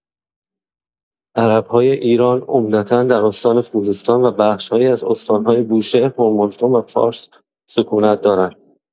عرب‌های ایران عمدتا در استان خوزستان و بخش‌هایی از استان‌های بوشهر، هرمزگان و فارس سکونت دارند.